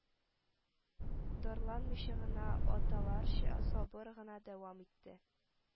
Дарланмыйча гына, аталарча сабыр гына дәвам итте: